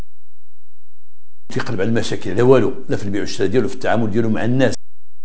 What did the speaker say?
المسكن الاول لفريق السعوديه في التعامل مع الناس